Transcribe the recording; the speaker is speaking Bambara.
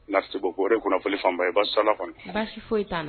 Na koɔr kunnafonili fan i ba sara kɔnɔ foyi